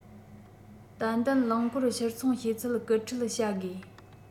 ཏན ཏན རླངས འཁོར ཕྱིར ཚོང བྱེད ཚད སྐུལ ཁྲིད བྱ དགོས